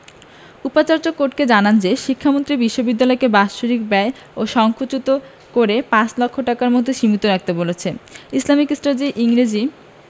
উপাচার্য কোর্টকে জানান যে শিক্ষামন্ত্রী বিশ্ববিদ্যালয়কে বাৎসরিক ব্যয় সংকুচিত করে পাঁচ লক্ষ টাকার মধ্যে সীমিত রাখতে বলেছেন ইসলামিক স্টাডিজ ইংরেজি